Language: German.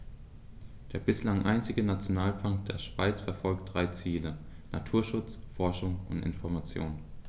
Der bislang einzige Nationalpark der Schweiz verfolgt drei Ziele: Naturschutz, Forschung und Information.